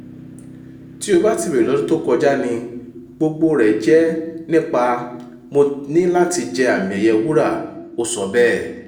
"Tí o bá ti bèèrè lọ́dún tó kọja ni, gbogbo rẹ̀ jẹ́ nípa ‘Mo ní láti jẹ́ àmì ẹ̀yẹ wúra’,” ó sọ bẹ́ẹ̀.